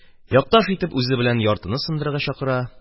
Якташ итеп, үзе белән яртыны сындырырга чакыра